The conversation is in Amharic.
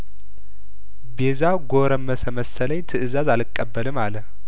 ቤዛ ጐረመሰ መሰለኝ ትእዛዝ አልቀበልም አለ